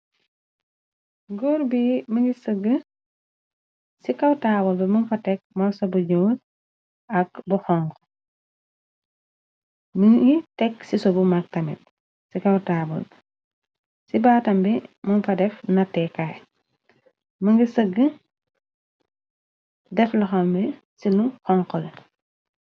Góor bi mëngi sëgg ci kaw taawal bi mëm fa tekk mol so bu juor ak bu xong Mingi tekk ci sobu mag tamib ci kaw taawal bi. Ci baatambi mën fa def nattee kaay mëngi sëgg def loxambi ci lu xonk.